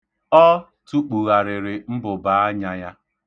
Ọ tụkpugharịrị mbụbaanya ya.